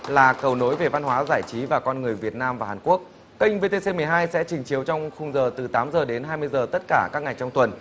là cầu nối về văn hóa giải trí và con người việt nam và hàn quốc kênh vê tê xê mười hai sẽ trình chiếu trong khung giờ từ tám giờ đến hai mươi giờ tất cả các ngày trong tuần